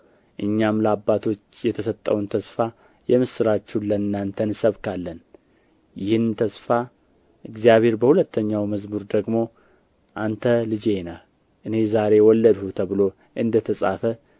እኛም ለአባቶች የተሰጠውን ተስፋ የምስራቹን ለእናንተ እንሰብካለን ይህን ተስፋ እግዚአብሔር በሁለተኛው መዝሙር ደግሞ አንተ ልጄ ነህ እኔ ዛሬ ወለድሁህ ተብሎ እንደ ተጻፈ